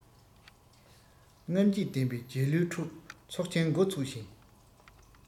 རྔམ བརྗིད ལྡན པའི རྒྱལ གླུའི ཁྲོད ཚོགས ཆེན འགོ ཚུགས ཤིང